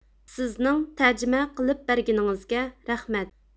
سىزنىڭ تەرجىمە قىلىپ بەرگىنىڭىزگە رەھمەت